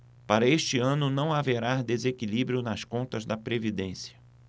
para este ano não haverá desequilíbrio nas contas da previdência